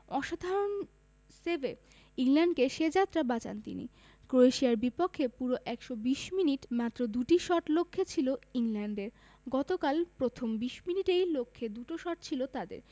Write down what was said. অসাধারণ সেভে ইংল্যান্ডকে সে যাত্রা বাঁচান তিনি ক্রোয়েশিয়ার বিপক্ষে পুরো ১২০ মিনিটে মাত্র দুটি শট লক্ষ্যে ছিল ইংল্যান্ডের গতকাল প্রথম ২০ মিনিটেই লক্ষ্যে দুটো শট ছিল তাদের